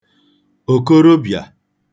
òkorobị̀à